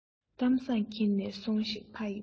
གཏམ བཟང འཁྱེར ནས སོང ཞིག ཕ ཡི བུ